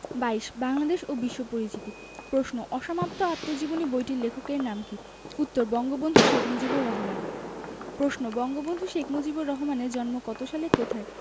২২ বাংলাদেশ ও বিশ্ব পরিচিতি প্রশ্ন অসমাপ্ত আত্মজীবনী বইটির লেখকের নাম কী উত্তর বঙ্গবন্ধু শেখ মুজিবুর রহমান প্রশ্ন বঙ্গবন্ধু শেখ মুজিবুর রহমানের জন্ম কত সালে কোথায়